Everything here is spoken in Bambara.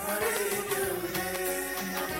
Malidenw ye